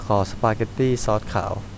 ขอสปาเก็ตตี้ซอสขาว